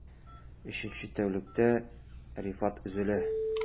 Өченче тәүлектә Рифат өзелә...